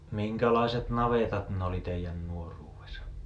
minkälaiset navetat ne oli teidän nuoruudessa